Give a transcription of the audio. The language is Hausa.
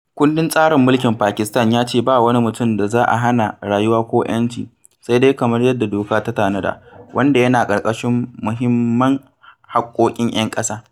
Kundin tsarin mulkin Pakistan ya ce "ba wani mutum da za a hana rayuwa ko 'yanci sai dai kamar yadda doka ta tanada," wanda yana ƙarƙashin Muhimman Haƙƙoƙin 'Yan ƙasa.